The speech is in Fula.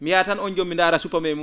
mi yaha tan oon jom mi ndaara suppame mum